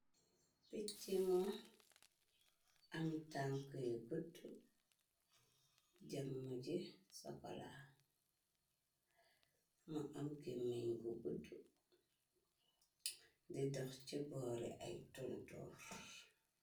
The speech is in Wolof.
Pichi mu am tank yu gudu, jeumu ji chocola, mu am aiiy mehnn yu gudu, di dokh ci boore ay tontor.